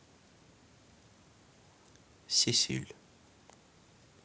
сесиль